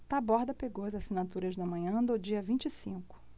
taborda pegou as assinaturas na manhã do dia vinte e cinco